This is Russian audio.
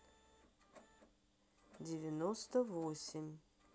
девяносто восемь